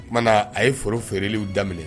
O kumana na a ye foro feereliw daminɛ